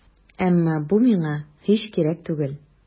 Әмма бу миңа һич кирәк түгел.